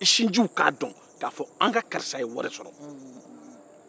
i sinjiw k'a don ko an ka karisa ye wari sɔrɔ